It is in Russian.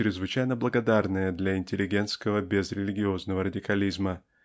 чрезвычайно благодарная для интеллигентского безрелигиозного радикализма